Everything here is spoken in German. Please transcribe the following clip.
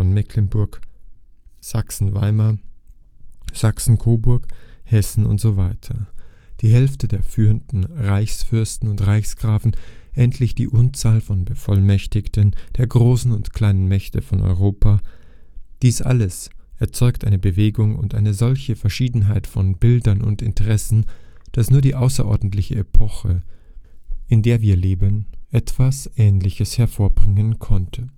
Mecklenburg, Sachsen-Weimar, Sachsen-Coburg, Hessen usw., die Hälfte der früheren Reichsfürsten und Reichsgrafen, endlich die Unzahl von Bevollmächtigten der großen und kleinen Mächte von Europa – dies alles erzeugt eine Bewegung und eine solche Verschiedenheit von Bildern und Interessen, dass nur die außerordentliche Epoche, in der wir leben, etwas Ähnliches hervorbringen konnte